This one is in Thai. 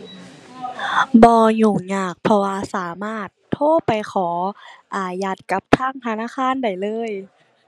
บ่ยุ่งยาก เพราะว่าสามารถโทรไปขออายัดกับทางธนาคารได้เลย